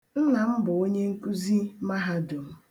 Nna m bụ onyenkuzi Mahadum.